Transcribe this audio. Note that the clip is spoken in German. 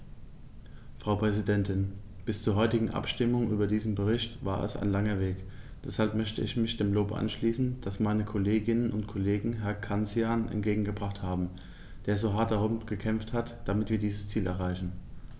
Frau Präsidentin, bis zur heutigen Abstimmung über diesen Bericht war es ein langer Weg, deshalb möchte ich mich dem Lob anschließen, das meine Kolleginnen und Kollegen Herrn Cancian entgegengebracht haben, der so hart darum gekämpft hat, damit wir dieses Ziel erreichen.